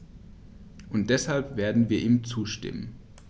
Und deshalb werden wir ihm zustimmen.